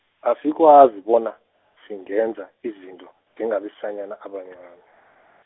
asikwazi bona, singenza izinto njengabesanyana abancani.